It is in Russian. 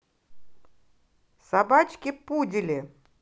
собачки пудели